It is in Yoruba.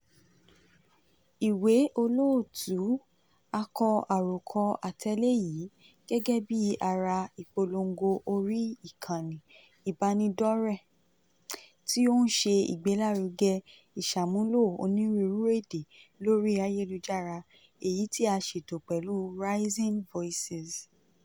Ìwé Olóòtú: A kọ àròkọ àtẹ̀lé yìí gẹ́gẹ́ bíi ara ìpolongo orí ìkànnì ìbánidọ́rẹ̀ẹ́ tí ó ń ṣe ìgbélárugẹ ìṣàmúlò onírúurú èdè lórí ayélujára èyí tí a ṣètò pẹ̀lú Rising Voices.